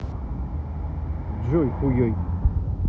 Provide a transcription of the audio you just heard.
джой хуей